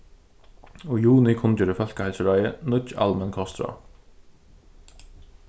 í juni kunngjørdi fólkaheilsuráðið nýggj almenn kostráð